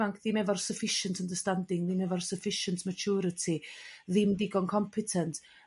ifanc ddim efo'r sufficient understanding ddim efo'r sufficient maturity. Ddim digon compitant.